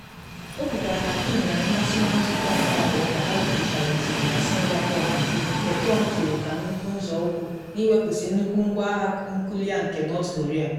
O kwukwara na Kim nwere mmasị na nzụkọ nke abụọ ka ha zutechara izizi na Singapore na Juun nke Trump toro ka nnukwu nzọụkwụ na iwepusi nnukwu ngwa agha nuklịa nke North Korea.